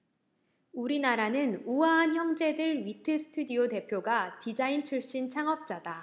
우리나라는 우아한형제들 위트 스튜디오 대표가 디자인 출신 창업자다